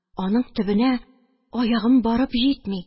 Аның төбенә аягым барып җитми